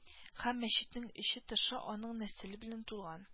Һәм мәчетнең эче-тышы аның нәселе белән тулган